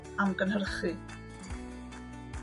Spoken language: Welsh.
...am gynhyrchu.